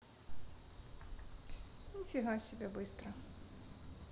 нифига себе быстро